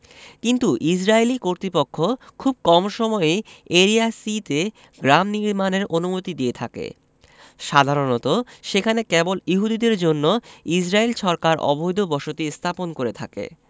কিন্তু ইসরাইলি কর্তৃপক্ষ খুব কম সময়ই এরিয়া সি তে গ্রাম নির্মাণের অনুমতি দিয়ে থাকে সাধারণত সেখানে কেবল ইহুদিদের জন্য ইসরাইল সরকার অবৈধ বসতি স্থাপন করে থাকে